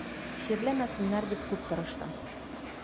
Чирләмәсеннәр дип тырыштым.